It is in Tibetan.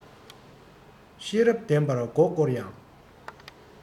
ཤེས རབ ལྡན པ མགོ བསྐོར ཡང